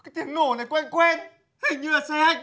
cái tiếng nổ này quen quen hình như là xe anh